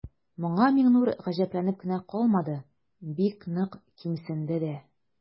Моңа Миңнур гаҗәпләнеп кенә калмады, бик нык кимсенде дә.